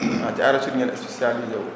ah ci arachide ngeen spécialisé wu